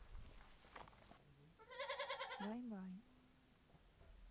бай бай